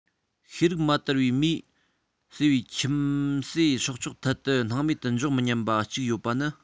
ཤེས རིག མ དར བའི མིས གསོས པའི ཁྱིམ གསོས སྲོག ཆགས ཐད དུ སྣང མེད དུ འཇོག མི ཉན པ གཅིག ཡོད པ ནི